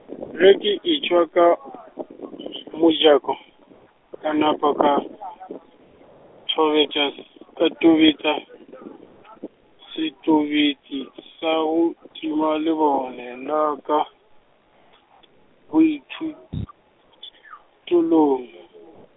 ge ke e tšwa ka , mojako, ka napa ka , tobetša s-, ka tobetša, setobetši sa go tima lebone la ka, boithut-, telong.